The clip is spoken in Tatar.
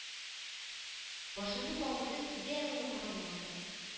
Башымны калкытып, тирә-ягыма каранып алдым: